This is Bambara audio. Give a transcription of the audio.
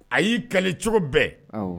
A y'i kali cogo bɛɛ. Awɔ.